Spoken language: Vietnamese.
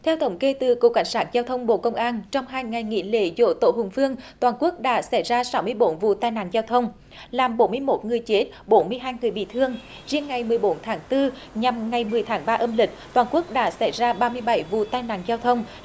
theo thống kê từ cục cảnh sát giao thông bộ công an trong hai ngày nghỉ lễ giỗ tổ hùng vương toàn quốc đã xảy ra sáu mươi bốn vụ tai nạn giao thông làm bốn mươi mốt người chết bốn mươi hai người bị thương riêng ngày mười bốn tháng tư nhằm ngày mười tháng ba âm lịch toàn quốc đã xảy ra ba mươi bảy vụ tai nạn giao thông